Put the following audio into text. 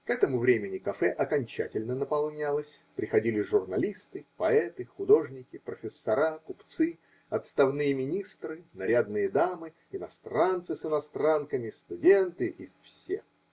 К этому времени кафе окончательно наполнялось, приходили журналисты, поэты, художники, профессора, купцы, отставные министры, нарядные дамы, иностранцы с иностранками, студенты и все.